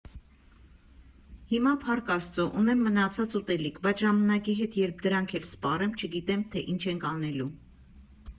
Հիմա, փառք Աստծո, ունեմ մնացած ուտելիք, բայց ժամանակի հետ երբ դրանք էլ սպառեմ, չգիտեմ, թե ինչ ենք անելու։